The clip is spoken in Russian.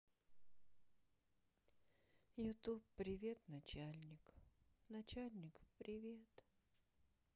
ютуб привет начальник начальник привет